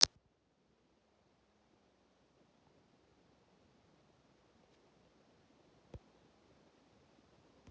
евген бро болеет